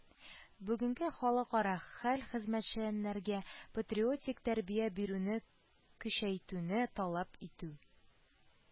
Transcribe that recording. Бүгенге халыкара хәл хезмәтчәннәргә патриотик тәрбия бирүне көчәйтүне таләп итә